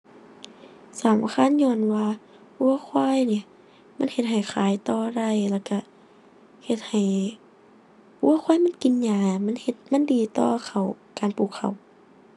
สำคัญ ญ้อนว่าวัวควายนี่มันเฮ็ดให้ขายต่อได้ แล้วก็เฮ็ดให้ วัวควายมันกินหญ้ามันเฮ็ด มันดีต่อข้าว การปลูกข้าว